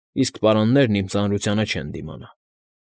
Իսկ պարաններն իմ ծանրությանը չեն դիմանա։